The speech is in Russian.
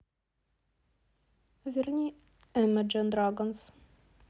верни имэджин драгонс